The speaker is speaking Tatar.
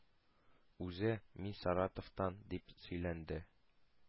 Үзе: “Мин Саратовтан”, – дип тә сөйләнде.